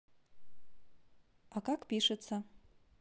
а как пишется